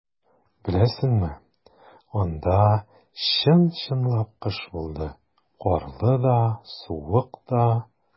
Беләсеңме, анда чын-чынлап кыш булды - карлы да, суык та.